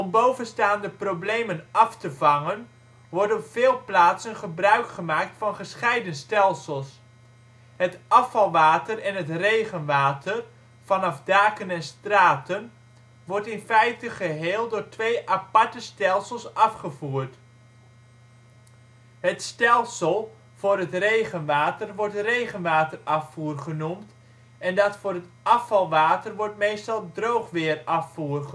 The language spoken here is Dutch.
bovenstaande problemen af te vangen wordt op veel plaatsen gebruikgemaakt van gescheiden stelsels. Het afvalwater en het regenwater (vanaf daken en straten) worden in feite geheel door twee aparte stelsels afgevoerd. Het stelsel voor het regenwater wordt regenwaterafvoer (RWA) genoemd en dat voor het afvalwater wordt meestal droogweerafvoer